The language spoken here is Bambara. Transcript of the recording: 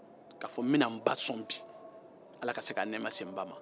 n bɛna n ba sɔn bi ala ka se k'a nɛɛma se n ba ma